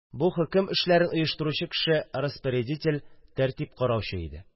Бу – хөкем эшләрен оештыручы кеше распорядитель– тәртип караучы иде.